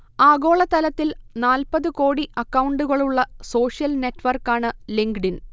ആഗോളതലത്തിൽ നാൽപത് കോടി അക്കൗണ്ടുകളുള്ള സോഷ്യൽ നെറ്റ്വർക്കാണ് ലിങ്കഡ്ഇൻ